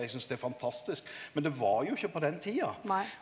eg synast det er fantastisk, men det var jo ikkje på den tida.